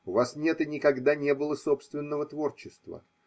У вас нет и никогда не было собственного творчества.